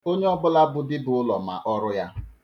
Onye ọ bụla bụ dibụlọ ma ọrụ ya.